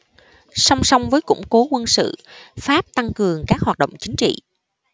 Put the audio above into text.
song song với củng cố quân sự pháp tăng cường các hoạt động chính trị